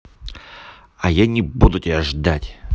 а я не буду тебя ждать